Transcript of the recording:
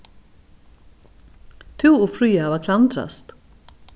tú og fríða hava klandrast